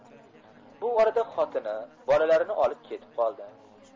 bu orada xotini bolalarini olib ketib qoldi